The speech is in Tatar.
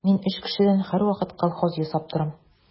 Мин өч кешедән һәрвакыт колхоз ясап торам.